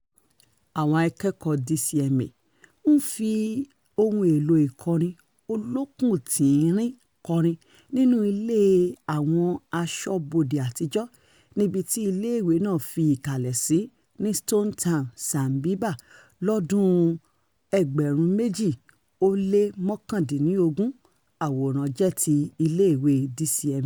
Àwọn akẹ́kọ̀ọ́ọ DCMA ń fi ohun èlò ìkọrin olókùn tín-ín-rín kọrin nínú Ilé Àwọn Ẹ̀ṣọ́ Aṣọ́bodè Àtijọ́, níbití iiléèwé náà fi ìkàlẹ̀ sí, ní Stone Town, Zanzibar, lọ́dún-un 2019. Àwòrán jẹ́ ti iléèwée DCMA.